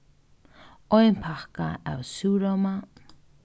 ein pakka av súrróma